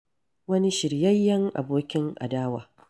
Wani shiryayyen abokin adawa